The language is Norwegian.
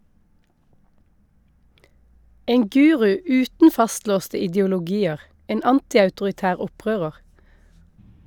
En guru uten fastlåste ideologier, en antiautoritær opprører.